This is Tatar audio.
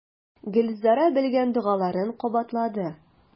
Гөлзәрә белгән догаларын кабатлады.